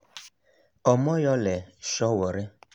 Omoyole Sowore